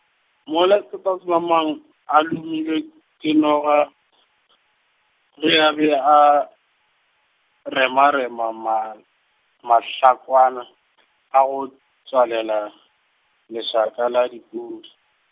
mola tatagosemang-, a lomilwe, ke noga , ge a be a, remarema ma-, mahlakwana , a go tswalela, lešaka la dipou.